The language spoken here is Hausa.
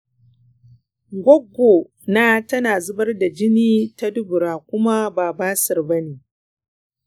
goggo na tana zubar jini ta dubura kuma ba basir ba ne.